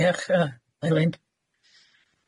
Diolch yy Elin.